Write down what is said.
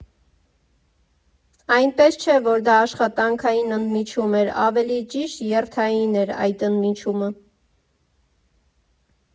Այնպես չէ, որ դա աշխատանքային ընդմիջում էր, ավելի ճիշտ՝ երթային էր այդ ընդմիջումը։